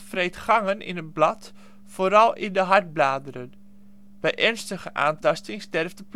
gangen in het blad, vooral in de hartbladeren. Bij ernstige aantasting sterft